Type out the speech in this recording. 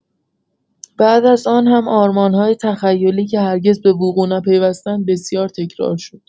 بعد از آن هم آرمان‌های تخیلی که هرگز به وقوع نپیوستند بسیار تکرار شد.